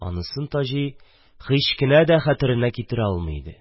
Анысын Таҗи һич кенә дә хәтеренә китерә алмый иде.